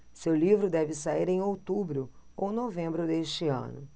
seu livro deve sair em outubro ou novembro deste ano